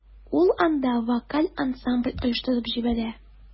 Ул анда вокаль ансамбль оештырып җибәрә.